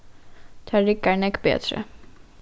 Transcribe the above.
tað riggar nógv betri